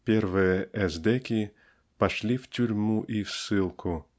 Первые эсдеки пошли в тюрьму и в ссылку